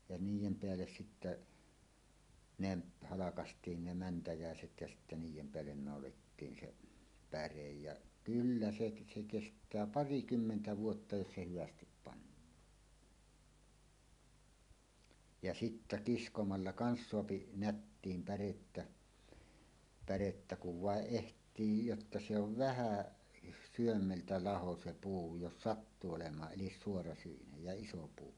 ja niiden päälle sitten ne halkaistiin ne mäntyiset ja sitten niiden päälle naulattiin se päre ja kyllä se se kestää parikymmentä vuotta jos se hyvästi pannaan ja sitten kiskomalla kanssa saa nättiin pärettä pärettä kun vain ehtii jotta se on vähän sydämeltä laho se puu jos sattuu olemaan eli suorasyinen ja iso puu